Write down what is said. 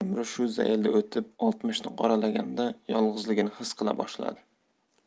umri shu zaylda o'tib oltmishni qoralaganda yolg'izligini his qila boshladi